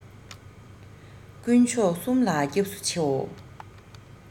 ཀུན མཆོག གསུམ ལ སྐྱབས སུ འཆིའོ